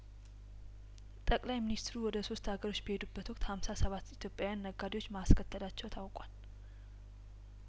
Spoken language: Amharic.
ጠቅለይ ሚንስትሩ ወደ ሶስቱ ሀገሮች በሄዱበት ወቅት ሀምሳ ሰባት ኢትዮጵያውያን ነጋዴዎች ማስከተላቸው ታውቋል